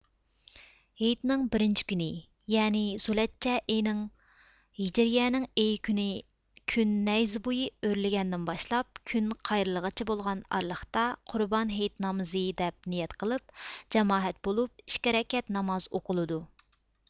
ھېيتنىڭ بىرىنچى كۈنى يەنى زۇلھەججە ئېنىڭ ھىجرىيىنىڭ ئېيى كۈنى كۈن نەيزە بۇيى ئۆرلىگەندىن باشلاپ كۈن قايرىلغىچە بولغان ئارىلىقتا قۇربان ھېيت نامىزى دەپ نىيەت قىلىپ جامائەت بولۇپ ئىككى رەكەت ناماز ئوقۇلىدۇ